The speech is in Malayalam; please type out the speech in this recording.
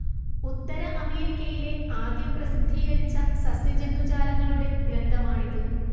ഉത്തര അമേരിക്കയിലെ ആദ്യം പ്രസിദ്ധീകരിച്ച സസ്യ ജന്തുജാലങ്ങളുടെ ഗ്രന്ഥമാണിത്